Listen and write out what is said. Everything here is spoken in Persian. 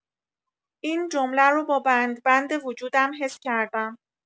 این جمله رو با بند بند وجودم حس کردم